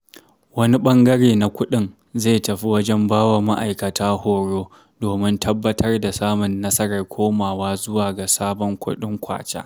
Wani ɓangare na kuɗin zai tafi wajen ba wa ma'aikata horo domin tabbatar da samun nasarar komawa zuwa ga sabon kuɗin kwacha.